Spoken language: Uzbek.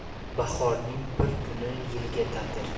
bahorning bir kuni yilga tatir